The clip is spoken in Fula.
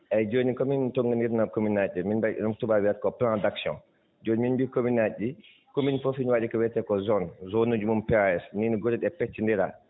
eeyi jooni ko min toŋngonndirnoo e commune ŋaaji ɗi min mbaɗi ko tuubaako wiyata ko plan d' action jooni mim mbiyi commune ŋaaji ɗi commune fof ene waɗi ko wiyetee koo zone zone zone uuji mum POAS ni no golle ɗee peccinndiraa